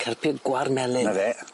Carpio Gwar Melin. 'Na fe.